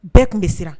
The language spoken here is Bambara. Bɛɛ tun bɛ siran